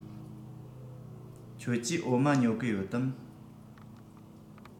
ཁྱོད ཀྱིས འོ མ ཉོ གི ཡོད དམ